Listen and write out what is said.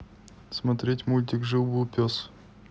смотреть мультик жил был пес